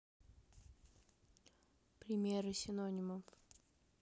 примеры синонимов